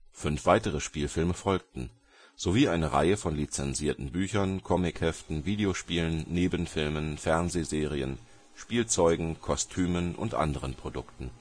Fünf weitere Spielfilme folgten, sowie eine Reihe von lizenzierten Büchern, Comic-Heften, Videospielen, Nebenfilmen, Fernsehserien, Spielzeugen, Kostümen und anderen Produkten